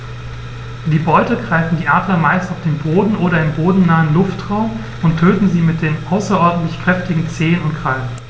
Die Beute greifen die Adler meist auf dem Boden oder im bodennahen Luftraum und töten sie mit den außerordentlich kräftigen Zehen und Krallen.